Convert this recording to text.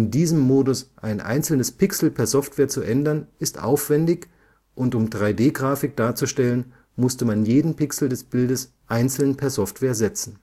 diesem Modus ein einzelnes Pixel per Software zu ändern, ist aufwendig, und um 3D-Grafik darzustellen, musste man jeden Pixel des Bildes einzeln per Software setzen